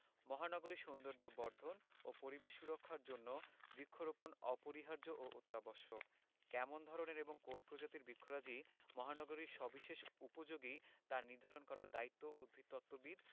মহানগরীর সৌন্দর্যবর্ধন ও পরিবেশ সুরক্ষার জন্য বৃক্ষরোপণ অপরিহার্য ও অত্যাবশ্যক কেমন ধরনের এবং কোন্ প্রজাতির বৃক্ষরাজি মহানগরীর সবিশেষ উপযোগী তা নির্ধারণ করার দায়িত্ব উদ্ভিদতত্ত্ববিদ